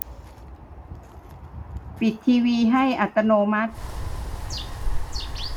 ปิดทีวีให้อัตโนมัติ